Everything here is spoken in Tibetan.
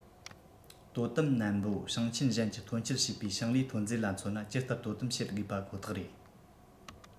དོ དམ ནན པོ ཞིང ཆེན གཞན གྱི ཐོན སྐྱེད བྱས པའི ཞིང ལས ཐོན རྫས ལ མཚོན ན ཇི ལྟར དོ དམ བྱེད དགོས པ ཁོ ཐག རེད